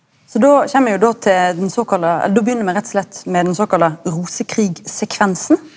så då kjem me jo då til den såkalla då begynner me rett og slett med den såkalla rosekrigsekvensen.